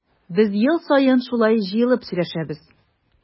Без ел саен шулай җыелып сөйләшәбез.